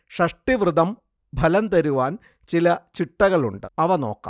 ഷഷ്ഠീവ്രതം ഫലം തരുവാൻ ചില ചിട്ടകളുണ്ട് അവ നോക്കാം